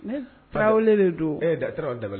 Ne, Tarawele de don. E ɲɛ dabali